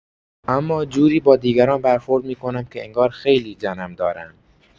اما جوری با دیگران برخورد می‌کنم که انگار خیلی جنم دارم.